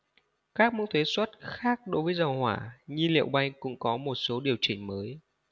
các mức thuế suất khác đối với dầu hỏa nhiên liệu bay cũng có một số điều chỉnh mới